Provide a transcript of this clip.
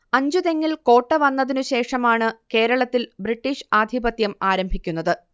അഞ്ചുതെങ്ങിൽ കോട്ട വന്നതിനു ശേഷമാണു കേരളത്തിൽ ബ്രിട്ടീഷ് ആധിപത്യം ആരംഭിക്കുന്നത്